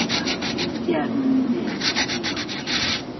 A pheidia neb a'i ddilorni o.